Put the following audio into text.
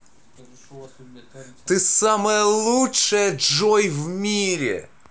ты самая самая лучшая джой в мире